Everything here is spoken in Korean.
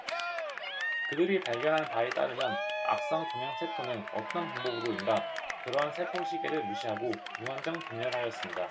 그들이 발견한 바에 따르면 악성 종양 세포는 어떤 방법으로인가 그러한 세포 시계를 무시하고 무한정 분열하였습니다